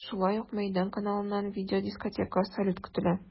Шулай ук “Мәйдан” каналыннан видеодискотека, салют көтелә.